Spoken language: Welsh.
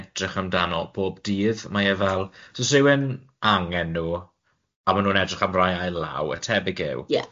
edrych amdano bob dydd, mae e fel, os rywun angen nw a ma' nw'n edrych am rai ail law, y tebyg yw.